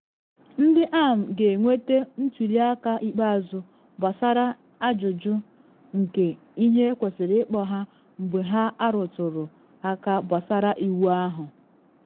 Ndị AM ga-enwete ntuli aka ikpeazụ gbasara ajụjụ nke ihe ekwesịrị ịkpọ ha mgbe ha arụtụrụ aka gbasara iwu ahụ.